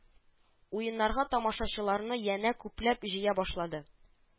Уеннарга тамашачыларны янә күпләп җыя башлады